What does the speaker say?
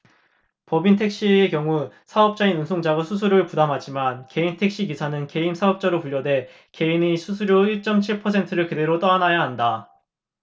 법인택시의 경우 사업자인 운송사가 수수료를 부담하지만 개인택시 기사는 개인사업자로 분류돼 개인이 수수료 일 쩜 칠 퍼센트를 그대로 떠안아야 한다